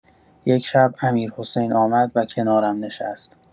یک شب امیرحسین آمد و کنارم نشست.